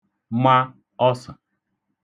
ma ọṡə̣̀